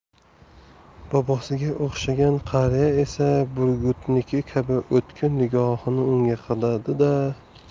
bobosiga o'xshagan qariya esa burgutniki kabi o'tkir nigohini unga qadadi da